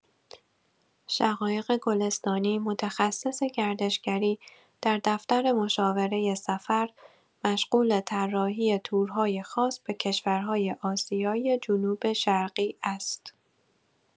شقایق گلستانی، متخصص گردشگری، در دفتر مشاوره سفر مشغول طراحی تورهای خاص به کشورهای آسیای جنوب‌شرقی است.